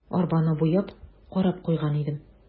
Арбаны буяп, карап куйган идем.